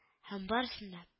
Һәм барысын да